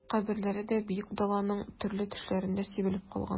Каберләре дә Бөек Даланың төрле төшләрендә сибелеп калган...